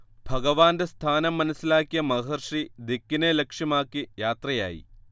ഭഗവാന്റെ സ്ഥാനം മനസ്സിലാക്കിയ മഹർഷി ദിക്കിനെ ലക്ഷ്യമാക്കി യാത്രയായി